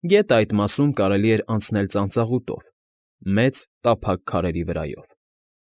Գետը այդ մասում կարելի էր անցնել ծանծաղուտով՝ մեծ, տափակ քարերի վրայով։